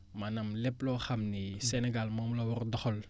maanaam lépp loo xam ni Sénégal moom la war a doxal ci